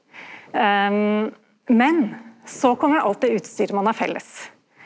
men så kjem alt det utstyret ein har felles.